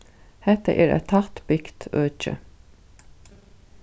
hetta er eitt tætt bygt øki